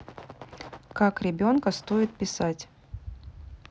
как ребенка стоит писать